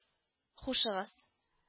- хушыгыз